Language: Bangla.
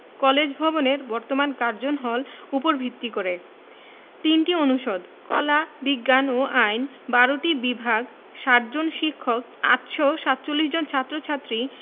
কলেজ ভবনের বর্তমান কার্জন হল উপর ভিত্তি করে ৩টি অনুষদ কলা বিজ্ঞান ও আইন ১২টি বিভাগ ৬০ জন শিক্ষক ৮৪৭ জন ছাত্র ছাত্রী